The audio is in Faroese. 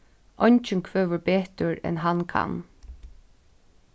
eingin kvøður betur enn hann kann